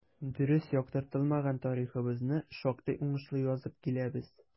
Дөрес яктыртылмаган тарихыбызны шактый уңышлы язып киләбез.